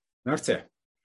Nawr 'te.